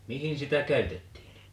mihin sitä käytettiin